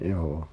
joo